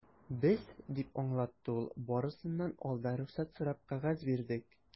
Без, - дип аңлатты ул, - барысыннан алда рөхсәт сорап кәгазь бирдек.